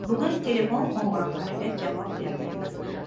bugun telefon qo'ng'iroqlariga javob bermaymiz